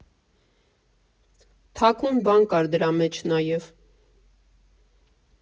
Թաքուն բան կար դրա մեջ նաև։